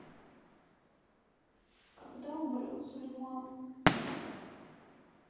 когда умрет сульман